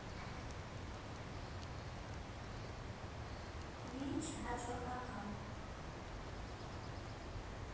Մինչ հաջորդ անգամ»։